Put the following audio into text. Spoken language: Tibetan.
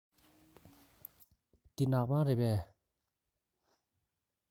འདི ནག པང རེད པས